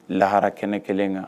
Lahara kɛnɛ kelen kan